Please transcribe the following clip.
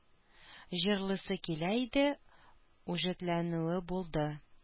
Җырлыйсы килә иде, үҗәтләнүе булды